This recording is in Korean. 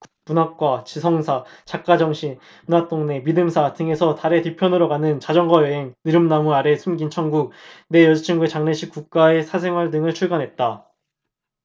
문학과 지성사 작가정신 문학동네 민음사 등에서 달의 뒤편으로 가는 자전거 여행 느릅나무 아래 숨긴 천국 내 여자친구의 장례식 국가의 사생활 등을 출간했다